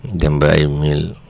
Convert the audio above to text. dem ba ay mille